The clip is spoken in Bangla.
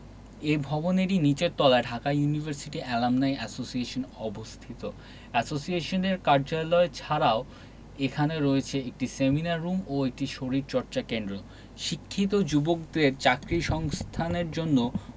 এ ভবনেরই নিচের তলায় ঢাকা ইউনিভার্সিটি এলামনাই এসোসিয়েশন অবস্থিত এসোসিয়েশনের কার্যালয় ছাড়াও এখানে রয়েছে একটি সেমিনার রুম ও একটি শরীরচর্চা কেন্দ্র শিক্ষিত যুবকদের চাকরির সংস্থানের জন্য